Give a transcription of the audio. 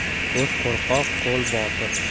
ko'z qo'rqoq qoi botir